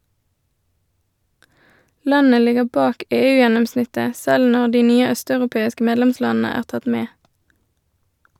Landet ligger bak EU-gjennomsnittet, selv når de nye østeuropeiske medlemslandene er tatt med.